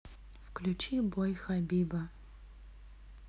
включи бой хабиба